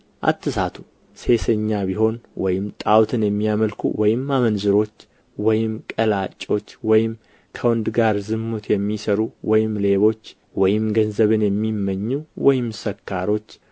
አትሳቱ ሴሰኞች ቢሆን ወይም ጣዖትን የሚያመልኩ ወይም አመንዝሮች ወይም ቀላጮች ወይም ከወንድ ጋር ዝሙት የሚሠሩ ወይም ሌቦች ወይም ገንዘብን የሚመኙ ወይም ሰካሮች